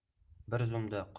bir zumda qo'llari